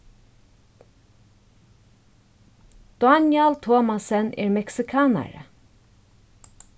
dánjal thomassen er meksikanari